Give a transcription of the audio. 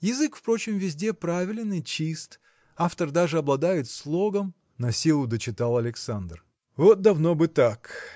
Язык, впрочем, везде правилен и чист; автор даже обладает слогом. – насилу дочитал Александр. – Вот давно бы так!